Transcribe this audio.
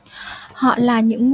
họ là những